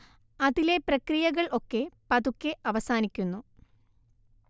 അതിലെ പ്രക്രിയകൾ ഒക്കെ പതുക്കെ അവസാനിക്കുന്നു